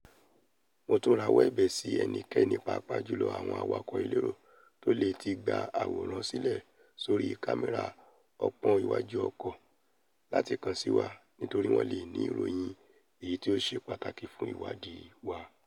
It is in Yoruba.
Mo tún ń rawọ́ ẹ̀bẹ̀ sí ẹnikẹ́ni, pàápàá jὺlọ́ àwọn awakọ̀ elérò́, tí ó leè tí gba àwòrán sílẹ̀ sórí kámẹ́rà ọpọ́n iwájú ọkọ̀ láti kàn sí wa nítorí wọn leè ní ìròyìn èyití ó ṣe pàtàkì fún ìwáàdí wa.